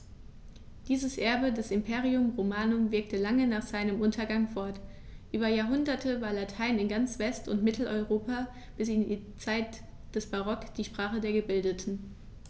Dieses Erbe des Imperium Romanum wirkte lange nach seinem Untergang fort: Über Jahrhunderte war Latein in ganz West- und Mitteleuropa bis in die Zeit des Barock die Sprache der Gebildeten.